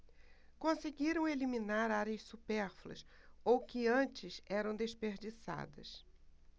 conseguiram eliminar áreas supérfluas ou que antes eram desperdiçadas